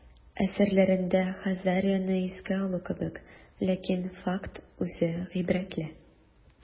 Әсәрләрендә Хазарияне искә алу кебек, ләкин факт үзе гыйбрәтле.